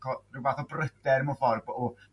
cod- ryw fath o bryder mewn ffor' o